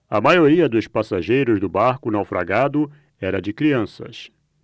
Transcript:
a maioria dos passageiros do barco naufragado era de crianças